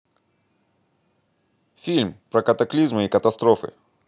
фильм про катаклизмы и катастрофы